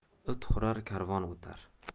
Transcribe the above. it hurar karvon o'tar